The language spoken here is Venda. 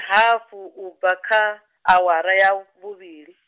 hafu ubva kha, awara ya, vhuvhili.